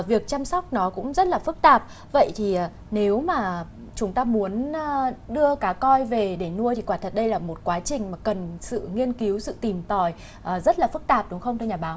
việc chăm sóc nó cũng rất là phức tạp vậy thì nếu mà chúng ta muốn đưa cá koi về để nuôi thì quả thật đây là một quá trình mà cần sự nghiên cứu sự tìm tòi rất là phức tạp đúng không thưa nhà báo